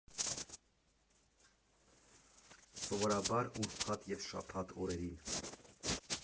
Սովորաբար ուրբաթ և շաբաթ օրերին։